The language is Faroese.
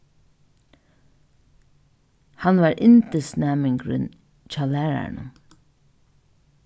hann var yndisnæmingurin hjá læraranum